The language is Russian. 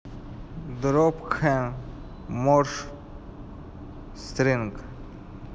dropkick murphys стринг